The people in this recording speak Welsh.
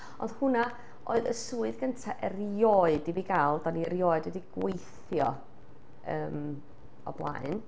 Ond hwnna oedd y swydd gynta erioed i fi gael, do'n rioed wedi gweithio yym o blaen.